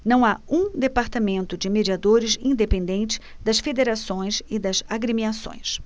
não há um departamento de mediadores independente das federações e das agremiações